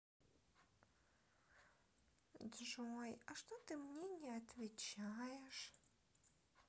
джой а что ты мне не отвечаешь